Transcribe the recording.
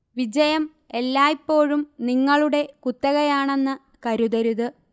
വിജയം എല്ലായ്പ്പോഴും നിങ്ങളുടെ കുത്തകയാണെന്ന് കരുതരുത്